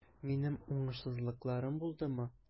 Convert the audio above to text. Минем уңышсызлыкларым булдымы?